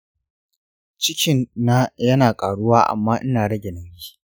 cikin na yana ƙaruwa amma ina rage nauyi.